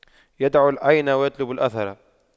يدع العين ويطلب الأثر